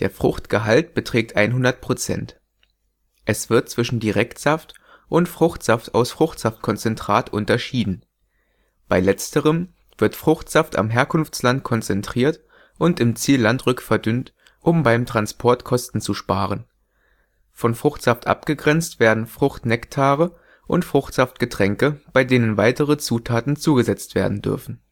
Fruchtgehalt beträgt 100 %. Es wird zwischen Direktsaft und Fruchtsaft aus Fruchtsaftkonzentrat unterschieden. Bei Letzterem wird Fruchtsaft am Herkunftsland konzentriert und im Zielland rückverdünnt, um beim Transport Kosten zu sparen. Von Fruchtsaft abgegrenzt werden Fruchtnektare und Fruchtsaftgetränke, bei denen weitere Zutaten zugesetzt werden dürfen